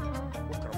Wa yo